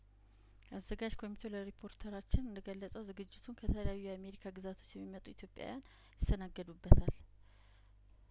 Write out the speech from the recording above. አዘጋጅ ኮሚቴው ለሪፖርተራችን እንደገለጸው ዝግጅቱን ከተለያዩ የአሜሪካ ግዛቶች የሚመጡ ኢትዮጵያውያን ይስተናገዱበታል